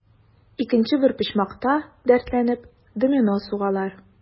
Икенче бер почмакта, дәртләнеп, домино сугалар.